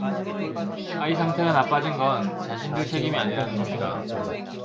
아이 상태가 나빠진 건 자신들 책임이 아니라는 겁니다